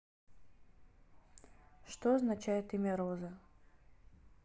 что означает имя роза